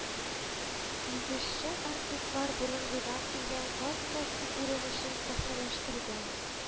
Үзешчән артистлар борынгыдан килгән Каз өмәсе күренешен сәхнәләштергән